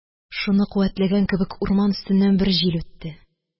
Шуны куәтләгән кебек, урман өстеннән бер җил үтте.